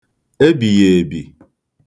ebìghèèbì